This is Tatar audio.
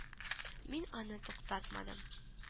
Мин аны туктатмадым